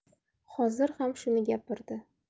hozir ham shuni gapirdi